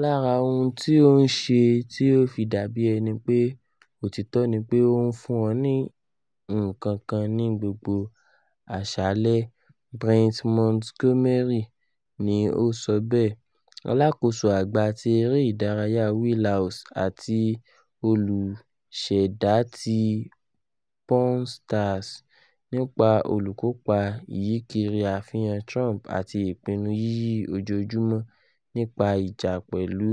”Lara ohun ti o n ṣe ti o fi dabi ẹni pe otitọ ni pe o n fun ọ ni nnkankan ni gbogbo aṣalẹ,” Brent Montgomery ni o sọ bẹẹ, alakoso agba ti Ere Idaraya Wheelhouse ati oluṣẹdati “Pawn Stars,”nipa olukopa iyikiri afihan Trump ati ipinnu yiyi ojoojumọ (nini ija pẹlu